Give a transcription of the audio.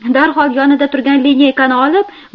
darhol yonida turgan lineykani olib